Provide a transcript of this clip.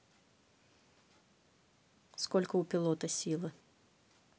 сколько у пилота силы